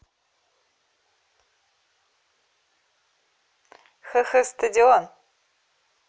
xx стадион